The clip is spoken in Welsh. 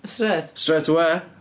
Strêt... Strêt away.